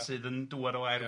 sydd yn dŵad o air